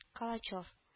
Калачев